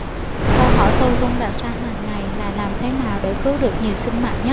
câu hỏi tôi luôn đặt ra hằng ngày là làm thế nào để cứu được nhiều sinh mạng nhất